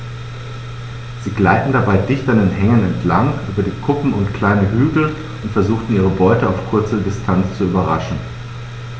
Sie gleiten dabei dicht an Hängen entlang, über Kuppen und kleine Hügel und versuchen ihre Beute auf kurze Distanz zu überraschen.